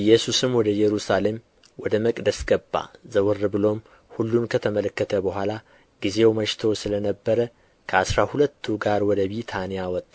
ኢየሩሳሌም ወደ መቅደስ ገባ ዘወር ብሎም ሁሉን ከተመለከተ በኋላ ጊዜው መሽቶ ስለ ነበረ ከአሥራ ሁለቱ ጋር ወደ ቢታንያ ወጣ